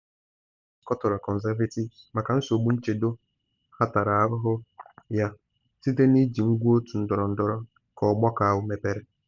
Onye otu Labour Lord Adonis kọtọrọ Conservatives maka nsogbu nchedo ha tara ahụhụ ya site na iji ngwa otu ndọrọndọrọ ka ọgbakọ ahụ mepere.